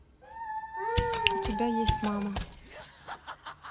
у тебя есть мама